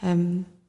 yym